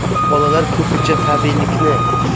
ahmoq bolalar ko'pincha tabiiylikni